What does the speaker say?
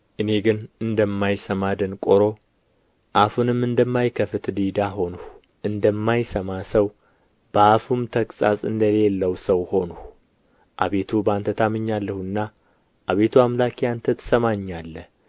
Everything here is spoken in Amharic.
እኔ ግን እንደማይሰማ ደንቆሮ አፉንም እንደማይከፍት ዲዳ ሆንሁ እንደማይሰማ ሰው በአፉም ተግሣጽ እንደሌለው ሰው ሆንሁ አቤቱ በአንተ ታምኛለሁና አቤቱ አምላኬ አንተ ትሰማኛለህ